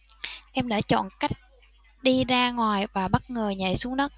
em đã chọn cách đi ra ngoài và bất ngờ nhảy xuống đất